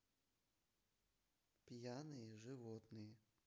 пьяные животные